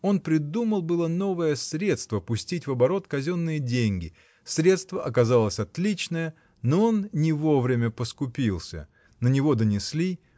он придумал было новое средство пустить в оборот казенные деньги, -- средство оказалось отличное, но он не вовремя поскупился: на него донесли